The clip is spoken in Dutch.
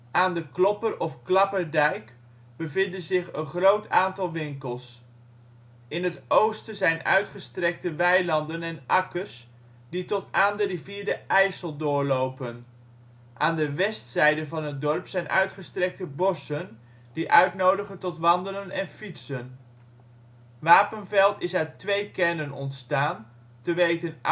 Aan de Klopper - of Klapperdijk bevinden zich een groot aantal winkels. In het oosten zijn uitgestrekte weilanden en akkers die tot aan de rivier de IJssel doorlopen. Aan de westzijde van het dorp zijn uitgestrekte bossen die uitnodigen tot wandelen en fietsen. Wapenveld is uit twee kernen ontstaan, te weten: Oud-Wapenveld